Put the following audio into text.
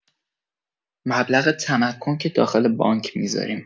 مبلغ تمکن که داخل بانک می‌زاریم